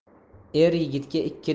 er yigitga ikki